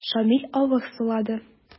Шамил авыр сулады.